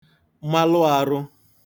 malụ ārụ̄